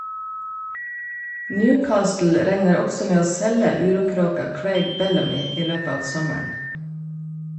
Newcastle regner også med å selge urokråka Craig Bellamy i løpet av sommeren.